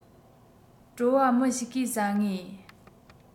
བྲོ བ མི ཞིག གིས ཟ ངེས